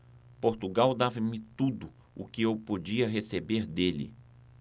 portugal dava-me tudo o que eu podia receber dele